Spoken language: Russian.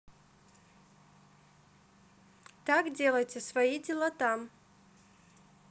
так делаете свои дела там